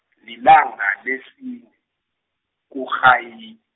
lilanga lesine, kuRhayil-.